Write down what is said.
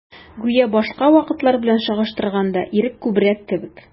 Гүя башка вакытлар белән чагыштырганда, ирек күбрәк кебек.